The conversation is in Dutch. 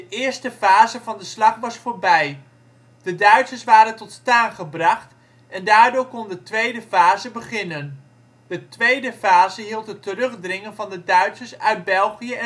eerste fase van de slag was voorbij. De Duitsers waren tot staan gebracht en daardoor kon de tweede fase beginnen. De tweede fase hield het terugdringen van de Duitsers uit België